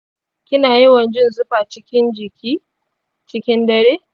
kina yawan jin zufa cikin dare?